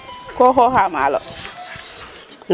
ko xooxaa maalo